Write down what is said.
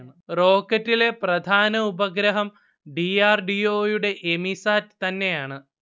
റോക്കറ്റിലെ പ്രധാന ഉപഗ്രഹം D. R. D. O. യുടെ എമീസാറ്റ് തന്നെയാണ്